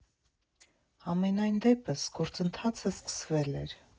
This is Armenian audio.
Համենայն դեպս, գործընթացը սկսվել էր…